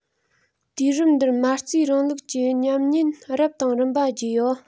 དུས རབས འདིར མ རྩའི རིང ལུགས ཀྱིས ཉམས ཉེན རབ དང རིམ པ བརྒྱུད ཡོད